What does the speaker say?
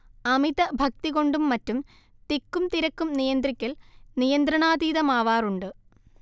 അമിതഭക്തി കൊണ്ടും മറ്റും തിക്കും തിരക്കും നിയന്ത്രിക്കൽ നിയന്ത്രണാതീതമാവാറുണ്ട്